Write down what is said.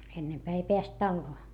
ennempää ei päässyt taloon